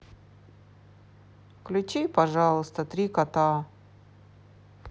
включи пожалуйста три кота